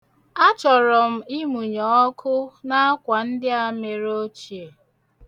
A chọrọ m ịmụnye ọkụ n'akwa ndị a mere ochie.